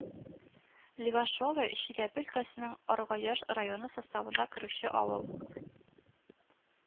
Левашева Чиләбе өлкәсенең Аргаяш районы составына керүче авыл